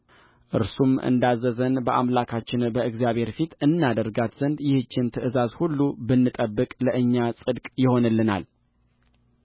እርሱም እንዳዘዘን በአምላካችን በእግዚአብሔር ፊት እናደርጋት ዘንድ ይህችን ትእዛዝ ሁሉ ብንጠብቅ ለእኛ ጽድቅ ይሆንልናል